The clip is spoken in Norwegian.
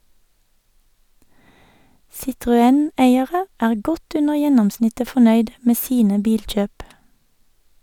Citroën- eiere er godt under gjennomsnittet fornøyd med sine bilkjøp.